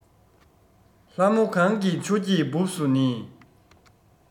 ལྷ མོ གང གི ཆུ སྐྱེས སྦུབས སུ ནི